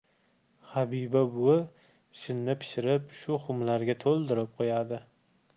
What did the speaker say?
habiba buvi shinni pishirib shu xumlarga to'ldirib qo'yadi